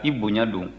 i bonya don